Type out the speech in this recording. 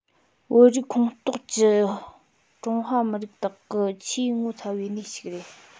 བོད རིགས ཁོངས གཏོགས ཀྱི ཀྲུང ཧྭ མི རིགས དག གི ཆེས ངོ ཚ བའི གནས ཤིག རེད